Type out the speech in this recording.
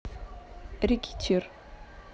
рэкетир